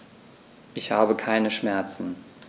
Ich habe keine Schmerzen.